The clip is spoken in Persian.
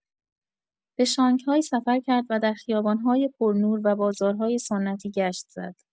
به شانگهای سفر کرد و در خیابان‌های پرنور و بازارهای سنتی گشت زد.